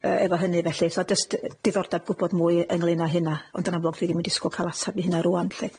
Yy efo hynny felly, so jyst yy diddordab gwbod mwy ynglŷn â hynna. Ond yn amlwg dwi ddim yn disgwl ca'l atab i hynna rŵan lly.